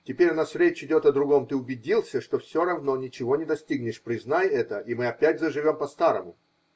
Теперь у нас речь идет о другом: ты убедился, что все равно ничего не достигнешь, признай это, и мы опять заживем по старому.